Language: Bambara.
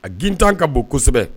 A gintan ka bon kosɛbɛ